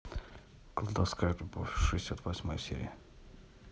колдовская любовь сериал шестьдесят восьмая серия